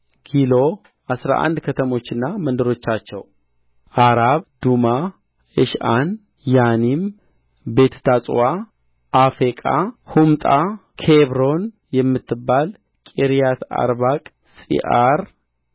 ጊሎ አሥራ አንድ ከተሞችና መንደሮቻቸው አራብ ዱማ ኤሽዓን ያኒም ቤትታጱዋ አፌቃ ሑምጣ ኬብሮን የምትባል ቂርያትአርባቅ ጺዖር